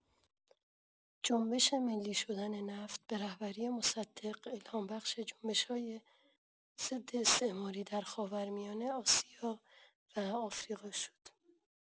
جنبش ملی شدن نفت به رهبری مصدق الهام‌بخش جنبش‌های ضداستعماری در خاورمیانه، آسیا و آفریقا شد.